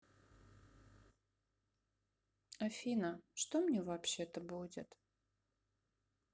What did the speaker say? афина что мне вообще то будет